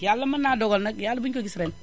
Yàlla mën naa dogal nag Yàlla buñu ko gis ren